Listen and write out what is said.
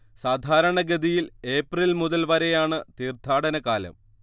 സാധാരണ ഗതിയിൽ ഏപ്രിൽ മുതൽ വരെയാണ് തീർത്ഥാടന കാലം